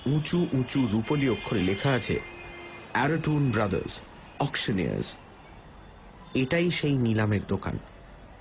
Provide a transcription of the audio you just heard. উচু উঁচু রুপোলি অক্ষরে লেখা রয়েছে আরাটুন ব্রাদার্স অকশনিয়ার্স এটাই সেই নিলামের দোকান